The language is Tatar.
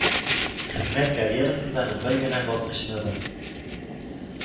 Хезмәт карьерасындагы бер генә баскычны да